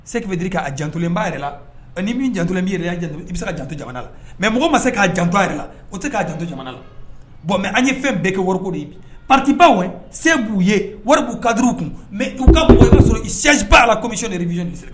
Seki bɛ di k'a jantulen b' yɛrɛ la min jantulen b' i bɛ se ka janto jamana la mɛ mɔgɔ ma se k'a janto yɛrɛ la o tɛ k'a janto jamana la bɔn mɛ an ye fɛn bɛɛ kɛ wariko di patiba se b'u ye wari b'u kadi u kun mɛ u ka mɔgɔ'a sɔrɔ siji'a la ko yɛrɛ bɛ